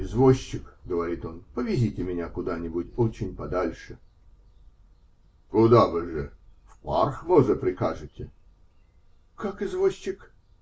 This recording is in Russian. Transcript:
-- Извозчик, -- говорит он, -- повезите меня куда-нибудь очень подальше. -- Куда бы же? В парх, може, прикажете? -- Как, извозчик?